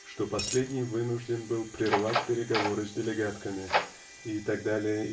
что последний вынужден был прервать переговоры с делегатками и т.д.